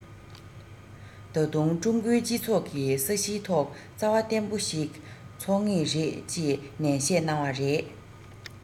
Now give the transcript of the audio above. ད དུང ཀྲུང གོའི སྤྱི ཚོགས ཀྱི ས གཞིའི ཐོག རྩ བ བརྟན པོ ཞིག ཚུགས ངེས རེད ཅེས ནན བཤད གནང བ རེད